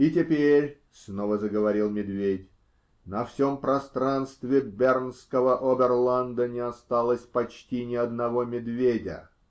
-- И теперь, -- снова заговорил медведь, -- на всем пространстве бернского Оберланда не осталось почти ни одного медведя.